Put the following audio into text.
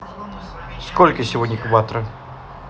сколько сегодня кватро